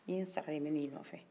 ni n sara ye n bɛ n'i nɔfɛ